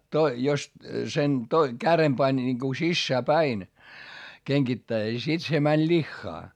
jos sen - kärjen pani niin kun sisään päin kengittäessä sitten se meni lihaan